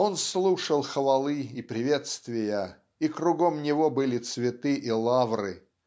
Он слушал хвалы и приветствия, и кругом него были цветы и лавры.